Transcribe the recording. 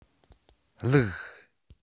བླུག